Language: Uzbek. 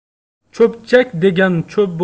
cho'pchak degan cho'p